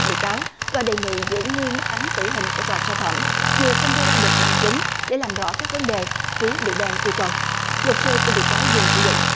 bị cáo và đề nghị giữ nguyên mức án tử hình của tòa sơ thẩm dù không đưa ra được bằng chứng để làm rõ các vấn đề phía bị đơn yêu cầu luật sư của bị cáo dương chí dũng